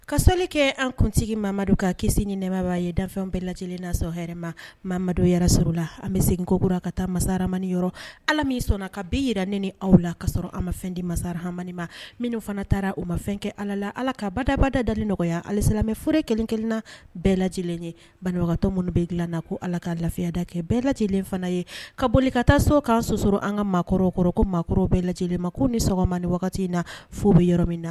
Kasali kɛ an kuntigi mamadu ka kisi ni nɛba ye danw bɛɛ lajɛlen nasa hma ma yɛrɛ sɔrɔ la an bɛ seginkokurara ka taa masaramani yɔrɔ ala min sɔnna ka bin jira n ni aw la kasɔrɔ a ma fɛndi masa hamamani ma minnu fana taara u ma fɛn kɛ ala la ala ka badabada da nɔgɔyaya alesemɛ furere kelenkelenna bɛɛ lajɛlen ye banbagatɔ minnu bɛ dilanna ko ala ka lafiya da kɛ bɛɛ lajɛlen fana ye ka boli ka taa so k ka sosotura an ka maa kɔrɔ ko maw bɛɛ lajɛlen ma k'u ni sɔgɔma ni wagati in na fo bɛ yɔrɔ min na